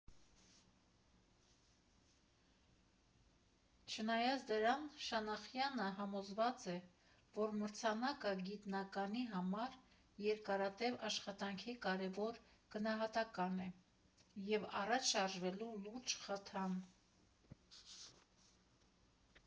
Չնայած դրան, Շանախյանը համոզված է, որ մրցանակը գիտնականի համար երկարատև աշխատանքի կարևոր գնահատական է և առաջ շարժվելու լուրջ խթան։